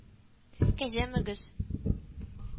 КӘҗӘМӨГЕЗ